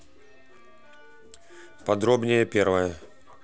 подробнее первое